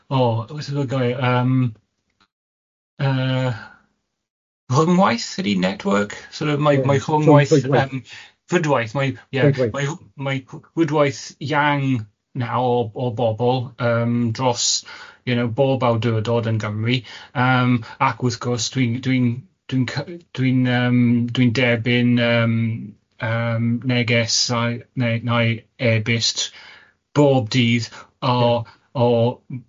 Oh beth yw y gair? Yym yy rhyngwaith ydi network? Sort of, mae ma Rhydwaith mae rhydwaith yang nawr o bobl dros you know bob awdyrdod yn Cymru ac wrth gwrs dwi'n dwi'n ymm dwi'n derbyn yym yym negesau, ne- nai ebyst bob dydd o o